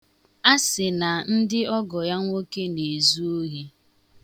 A sị na ndị ọgọ ya nwoke na-ezu ohi.